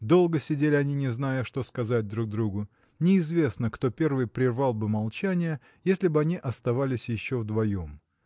Долго сидели они, не зная, что сказать друг другу. Неизвестно кто первый прервал бы молчание если б они оставались еще вдвоем.